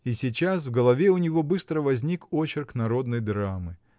И сейчас в голове у него быстро возник очерк народной драмы.